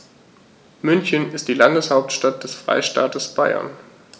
München ist die Landeshauptstadt des Freistaates Bayern.